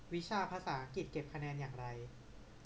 วิชาภาษาอังกฤษเก็บคะแนนอย่างไร